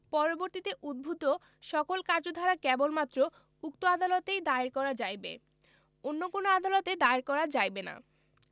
পরবর্তীতে উদ্ভুত সকল কার্যধারা কেবলমাত্র উক্ত আদালতেই দায়ের করা যাইবে অন্য কোন আদালতে দায়ের করা যাইবে না